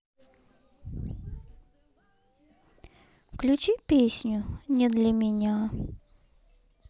включи песню не для меня